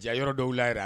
Jara yɔrɔ dɔw lara